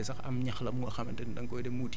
loolu tamit baax na ñu ko naan meulching